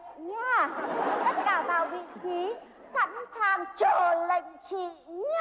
tất cả vào vị trí sẵn sàng chờ lệnh chị nhá